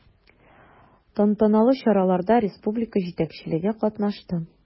Тантаналы чараларда республика җитәкчелеге катнашты.